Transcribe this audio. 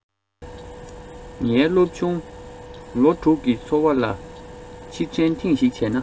ངའི སློབ ཆུང ལོ དྲུག གི འཚོ བ ལ ཕྱིར དྲན ཐེངས ཤིག བྱས ན